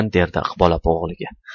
derdi iqbol opa o'g'liga